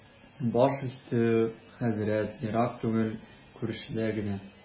Баш өсте, хәзрәт, ерак түгел, күршедә генә.